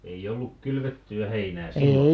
ei ollut kylvettyä heinää silloin